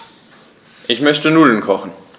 Ich möchte Nudeln kochen.